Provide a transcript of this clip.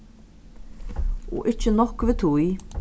og ikki nokk við tí